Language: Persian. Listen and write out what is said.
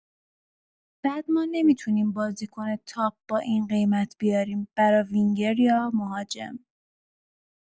بعد ما نمی‌تونیم بازیکن تاپ با این قیمت بیاریم برا وینگر یا مهاجم